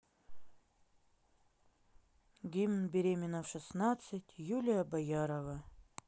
гимн беременна в шестнадцать юлия боярова